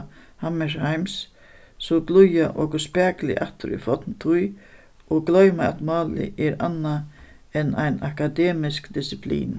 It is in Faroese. hammershaimbs so glíða okur spakuliga aftur í forntíð og gloyma at málið er annað enn ein akademisk disiplin